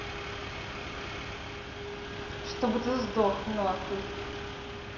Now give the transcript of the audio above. чтобы ты сдох нахуй